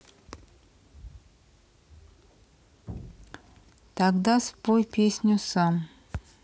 тогда спой песню сам